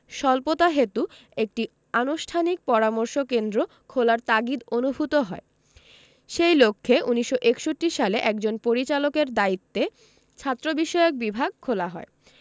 স্বল্পতাহেতু একটি আনুষ্ঠানিক পরামর্শ কেন্দ্র খোলার তাগিদ অনুভূত হয় সেই লক্ষ্যে ১৯৬১ সালে একজন পরিচালকের দায়িত্বে ছাত্রবিষয়ক বিভাগ খোলা হয়